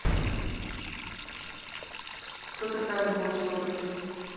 кто такая любовь соболь